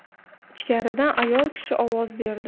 ichkaridan ayol kishi ovoz berdi